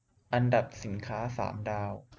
อันดับสินค้าสามดาว